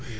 *